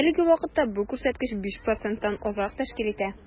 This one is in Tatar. Әлеге вакытта бу күрсәткеч 5 проценттан азрак тәшкил итә.